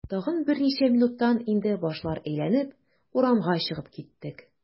Тагын берничә минуттан инде башлар әйләнеп, урамга чыгып киттек.